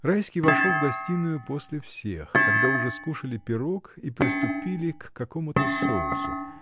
Райский вошел в гостиную после всех, когда уже скушали пирог и приступили к какому-то соусу.